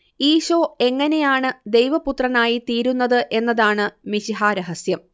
ഈശോ എങ്ങനെയാണ് ദൈവപുത്രനായി തീരുന്നത് എന്നതാണ് മിശിഹാരഹസ്യം